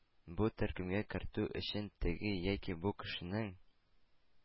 Бу төркемгә кертү өчен теге яки бу кешенең